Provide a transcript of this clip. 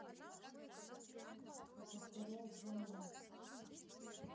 ты повторяешь за мной